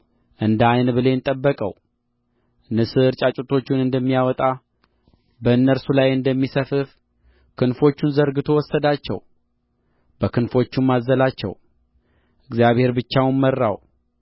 እንደ ዓይን ብሌን ጠበቀው ንስር ጫጩቶቹን እንደሚያወጣ በእነርሱም ላይ እንደሚሰፍፍ ክንፎቹን ዘርግቶ ወሰዳቸው በክንፎቹም አዘላቸው እግዚአብሔር ብቻውን መራው